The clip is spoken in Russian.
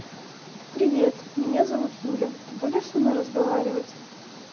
привет меня зовут юля ты будешь со мной разговаривать